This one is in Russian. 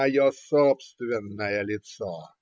мое собственное лицо.